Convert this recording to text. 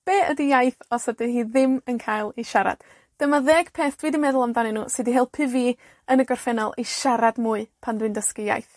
be ydi iaith os ydi hi ddim yn cael 'i siarad? Dyma ddeg peth dwi 'di meddwl amdanyn nw sy 'di helpu fi, yn y gorffennol, i siarad mwy pan dwi'n dysgu iaith.